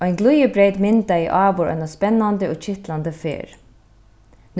ein glíðibreyt myndaði áður eina spennandi og kitlandi ferð